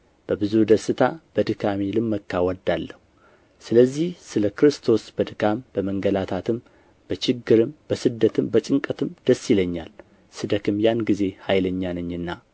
በብዙ ደስታ በድካሜ ልመካ እወዳለሁ ስለዚህ ስለ ክርስቶስ በድካም በመንገላታትም በችግርም በስደትም በጭንቀትም ደስ ይለኛል ስደክም ያን ጊዜ ኃይለኛ ነኝና